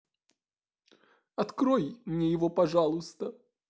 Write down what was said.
открой мне его пожалуйста